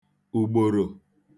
ùgbòrò